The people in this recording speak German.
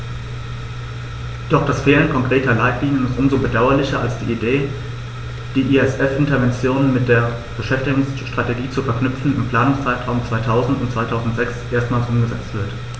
Doch das Fehlen konkreter Leitlinien ist um so bedauerlicher, als die Idee, die ESF-Interventionen mit der Beschäftigungsstrategie zu verknüpfen, im Planungszeitraum 2000-2006 erstmals umgesetzt wird.